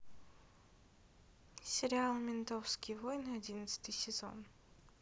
сериал ментовские войны одиннадцатый сезон